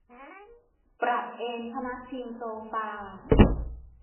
ปรับเอนพนักพิงโซฟา